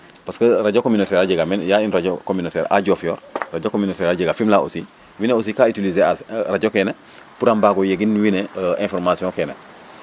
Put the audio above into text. parce que radio communataire a jegaa meen il a une radio a Diofyor radio communautaire a jega Fimela aussi wiin we aussi radio kene pour a mbaag o yegin wiin we information kene